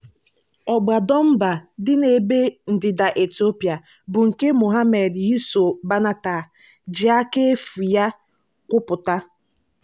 Ọgba Dunbar dị n'ebe ndịda Etiopia bụ nke Mohammed Yiso Banatah ji aka efu ya gwupụta.